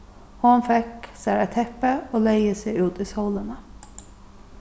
hon fekk sær eitt teppi og legði seg út í sólina